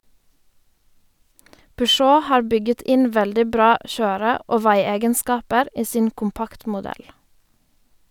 Peugeot har bygget inn veldig bra kjøre- og veiegenskaper i sin kompaktmodell.